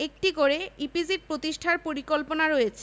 বালুকাস্তর ভূগর্ভস্থ জলস্তরের ভূমিকা পালন করে পার্বত্য